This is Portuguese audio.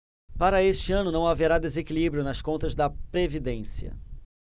para este ano não haverá desequilíbrio nas contas da previdência